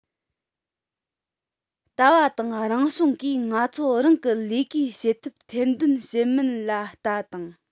བལྟ བ དང རང བྱུང གིས ང ཚོར རང གི ལས ཀའི བྱེད ཐབས ཐེར འདོན བྱེད མིན ལ བལྟ དང